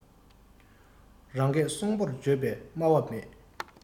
རང སྐད སྲོང པོར བརྗོད པའི སྨྲ བ མེད